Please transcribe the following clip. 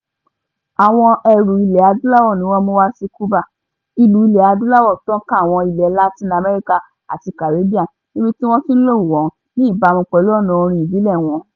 Àwọn ẹrù ilẹ̀ Adúláwò ni wọ́n mú u wá sí Cuba, ìlú ilẹ̀ Adúláwò tàn ká àwọn ilẹ̀ Látìn Amẹ́ríkà àti Caribbean, níbi tí wọ́n tí ń lò ó ní ìbámu pẹ̀lú ọ̀nà orin ìbílẹ̀ wọn.